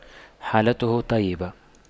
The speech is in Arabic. حالته طيبة